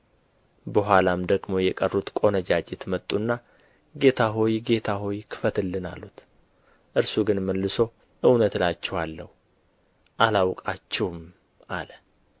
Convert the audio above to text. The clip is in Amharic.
በኋላም ደግሞ የቀሩቱ ቈነጃጅት መጡና ጌታ ሆይ ጌታ ሆይ ክፈትልን አሉ እርሱ ግን መልሶ እውነት እላችኋለሁ አላውቃችሁም አለ